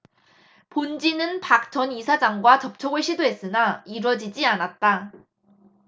본지는 박 전 이사장과 접촉을 시도했으나 이뤄지지 않았다